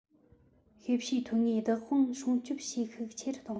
ཤེས བྱའི ཐོན དངོས བདག དབང སྲུང སྐྱོང བྱེད ཤུགས ཆེ རུ བཏང